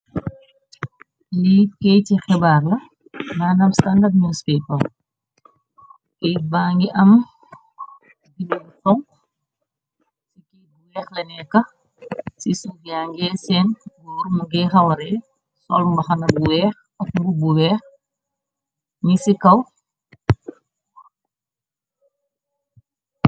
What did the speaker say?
Lii keyiti xibaar la, maanam standard news pepa, keyit ba ngi am binde yu xonxu, ci keyit bu weex la nekka, ci suuf yange seen goor mëgey xawa reey, sol mbaxana bu weex, mbubu bu weex, nyu ci kaw.